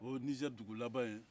o ye nizɛri dugu laban ye